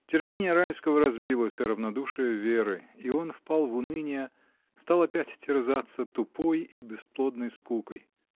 Терпение Райского разбилось о равнодушие Веры, и он впал в уныние, стал опять терзаться тупой и бесплодной скукой.